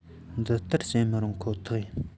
འདི ལྟར བཤད མི རུང ཁོ ཐག ཡིན